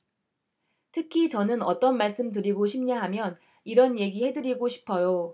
특히 저는 어떤 말씀 드리고 싶냐하면 이런 얘기 해드리고 싶어요